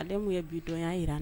Alemu ye bi dɔnya jira na